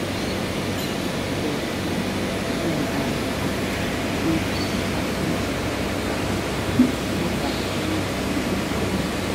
Waa dabaq dhowr biyaano ka kooban midabkiisa waa caddeys daaqadaha waa buluug